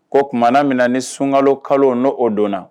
Ko tumaumana minna na ni sunka kalo nɔ o don